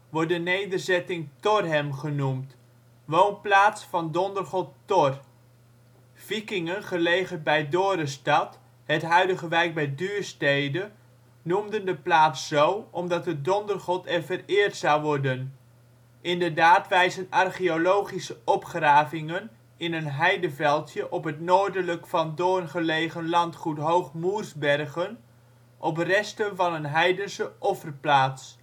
wordt de nederzetting " Thorhem " genoemd, woonplaats van dondergod Thor (Groenedijk, 2000). Vikingen gelegerd bij Dorestad, het huidige Wijk bij Duurstede, noemden de plaats zo omdat de dondergod er vereerd zou worden. Inderdaad wijzen archeologische opgravingen in een heideveldje op het noordelijk van Doorn gelegen landgoed Hoog Moersbergen op resten van een heidense offerplaats